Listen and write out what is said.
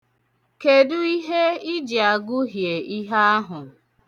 Kedu ihe ị ji agụhie ihe ahụ?